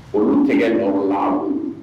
Olu tɛgɛ nɔrɔla koyi